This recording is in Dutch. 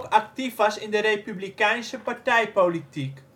actief was in de republikeinse partijpolitiek